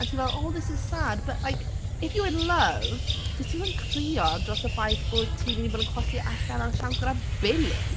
A ti fel "Oh this is sad". But like if you're in love dwyt ti'm yn crio dros y ffaith bod ti'n mynd i fod yn colli allan ar y siawns gyda Billy!